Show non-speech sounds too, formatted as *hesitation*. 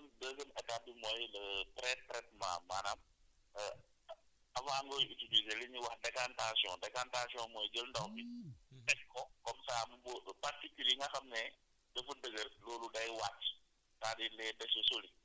su ñu ko tamee ba pare bon deuxième deuxième étape bi mooy le prè traitement maanaam *hesitation* avant ngay utilmiser li ñu wax décantation décantation mooy jël ndox bi *noise* teg ko comme ça mu * particules yi nga xam ne dafa dëgër loolu day wàcc c' est à dire les déchets solides